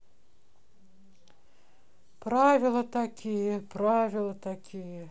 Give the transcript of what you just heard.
правила такие правила такие